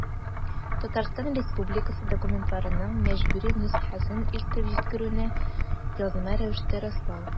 Татарстан Республикасы документларының мәҗбүри нөсхәсен илтеп җиткерүне язма рәвештә раслау.